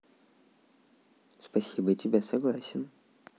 спасибо тебе согласен